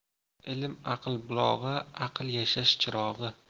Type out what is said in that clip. ilm aql bulog'i aql yashash chirog'i